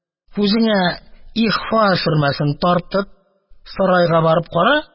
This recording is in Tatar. Күзеңә ихфа сөрмәсе тартып, сарайга барып кара…